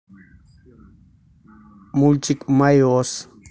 мультик майос